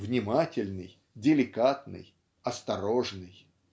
внимательный, деликатный, осторожный.